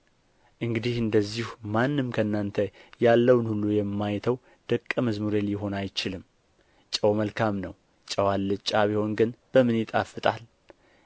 እንግዲህ እንደዚሁ ማንም ከእናንተ ያለውን ሁሉ የማይተው ደቀ መዝሙሬ ሊሆን አይችልም ጨው መልካም ነው ጨው አልጫ ቢሆን ግን በምን ይጣፈጣል